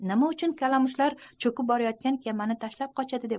nima uchun kalamushlar chokib borayotgan kemani tashlab qochadi